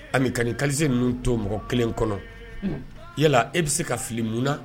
Ami, ka kalise ninnu to mɔgɔ kelen kɔnɔ yala e bɛ se ka fili mun na